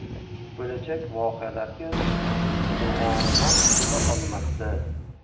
bo'lajak voqealarga to'g'anoq bo'la olmasdi